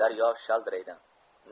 daryo shaldiraydi